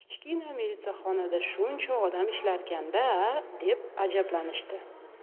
kichkina milisaxonada shuncha odam ishlarkan da a deb ajablanishdi